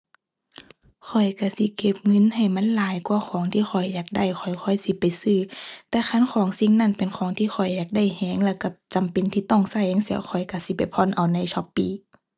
ข้อยก็สิเก็บเงินให้มันหลายกว่าของที่ข้อยอยากได้ ข้อยค่อยสิไปซื้อ แต่คันของสิ่งนั้นเป็นของที่ข้อยอยากได้ก็ แล้วก็จำเป็นที่ต้องก็จั่งซี้ ข้อยก็สิไปผ่อนเอาใน Shopee